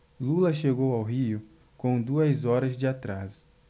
lula chegou ao rio com duas horas de atraso